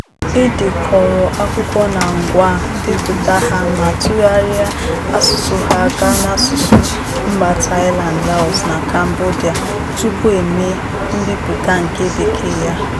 E dekọrọ akụkọ na ngwa, depụta ha ma tụgharịa asụsụ ha gaa n'asụsụ mba Thailand, Laos, na Cambodia tupu e mee mbipụta nke Bekee ya.